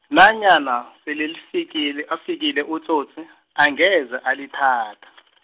nanyana, sele lifikile, afikile utsotsi, angeze alithatha .